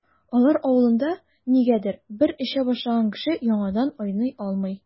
Алар авылында, нигәдер, бер эчә башлаган кеше яңадан айный алмый.